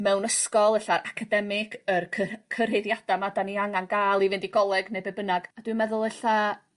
mewn ysgol ella academig yr cyhy- cyhyrddiada 'ma 'dan ni angan ga'l i fynd i goleg ne' be' bynnag a dwi'n meddwl ella